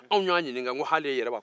anw y'a ɲininka ko hali e yɛrɛ wa